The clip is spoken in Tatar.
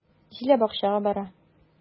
Зилә бакчага бара.